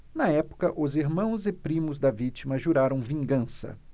na época os irmãos e primos da vítima juraram vingança